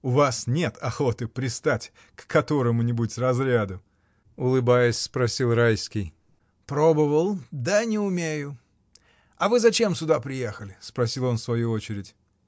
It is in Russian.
— У вас нет охоты пристать к которому-нибудь разряду? — улыбаясь, спросил Райский. — Пробовал, да не умею. А вы зачем сюда приехали? — спросил он в свою очередь.